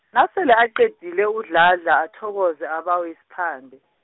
nasele aqedile, uDladla athokoze abawe isiphande.